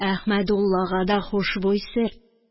Әхмәдуллага да хушбуй сөрт.